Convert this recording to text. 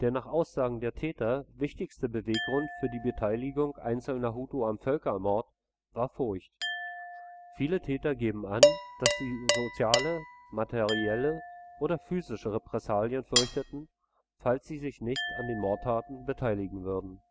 nach Aussagen der Täter wichtigste Beweggrund für die Beteiligung einzelner Hutu am Völkermord war Furcht. Viele Täter geben an, dass sie soziale, materielle oder physische Repressalien fürchteten, falls sie sich nicht an Mordtaten beteiligen würden